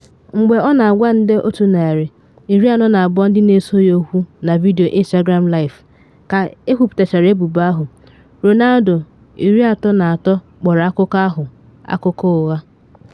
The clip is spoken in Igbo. Mgbe ọ na-agwa nde 142 ndị na-eso ya okwu na vidiyo Instagram Live ka ekwuputachara ebubo ahụ, Ronaldo, 33, kpọrọ akụkọ ahụ “akụkọ ụgha.”